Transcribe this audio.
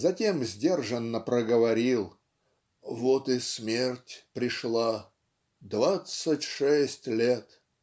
Затем сдержанно проговорил: "Вот и смерть пришла. Двадцать шесть лет.